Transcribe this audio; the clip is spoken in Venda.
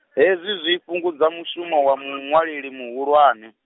hezwi zwi fhungudza mushumo wa muṅwaleli muhulwane.